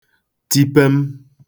ti pem